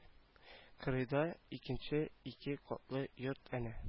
Кырыйдан икенче ике катлы йорт әнә